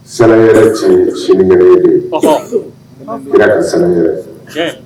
Siran yɛrɛ tun si ye ka siran yɛrɛ